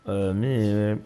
Hɛrɛme